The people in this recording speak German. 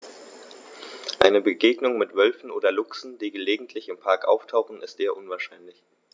Eine Begegnung mit Wölfen oder Luchsen, die gelegentlich im Park auftauchen, ist eher unwahrscheinlich.